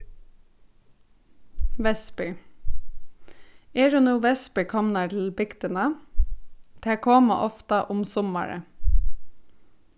vespur eru nú vespur komnar til bygdina tær koma ofta um summarið